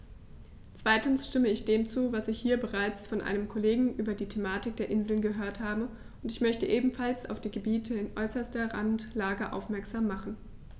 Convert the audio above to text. Zweitens stimme ich dem zu, was ich hier bereits von einem Kollegen über die Thematik der Inseln gehört habe, und ich möchte ebenfalls auf die Gebiete in äußerster Randlage aufmerksam machen.